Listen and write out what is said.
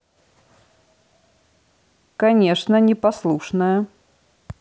конечно непослушная